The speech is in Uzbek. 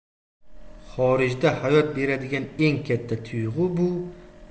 xorijda hayot beradigan eng